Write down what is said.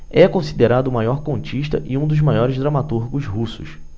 é considerado o maior contista e um dos maiores dramaturgos russos